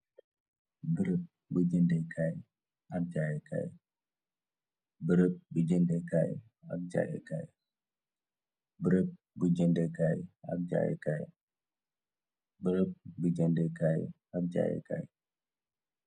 Barab bu gendé Kai ak jayèh Kai.